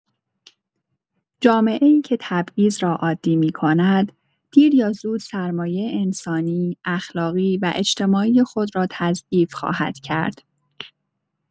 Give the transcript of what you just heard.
جامعه‌ای که تبعیض را عادی می‌کند، دیر یا زود سرمایه انسانی، اخلاقی و اجتماعی خود را تضعیف خواهد کرد.